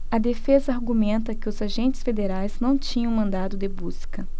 a defesa argumenta que os agentes federais não tinham mandado de busca